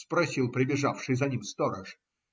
- спросил прибежавший за ним сторож.